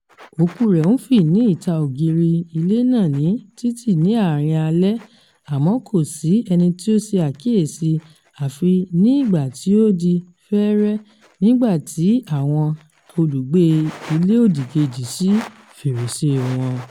Òkúu rẹ̀ ń fì ní ìta ògiri ilé náà ní títì ní àárín alẹ́, àmọ́ kò sí ẹni tí ó se àkíyèsí àfi ní ìgbà tí ó di fẹ̀ẹ̀rẹ̀ nígbà tí àwọn alùgbé ilé òdì kejì ṣí fèrèsée wọn.